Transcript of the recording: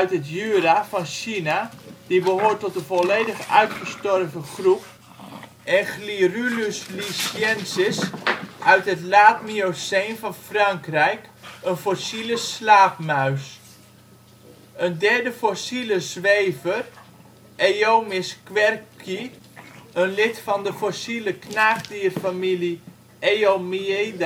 Jura van China, die behoort tot een volledig uitgestorven groep, en Glirulus lissiensis uit het Laat-Mioceen van Frankrijk, een fossiele slaapmuis. Een derde fossiele " zwever ", Eomys quercyi, een lid van de fossiele knaagdierfamilie Eomyidae